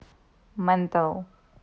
mental